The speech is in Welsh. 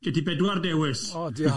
Gen ti bedwar dewis. O, diolch!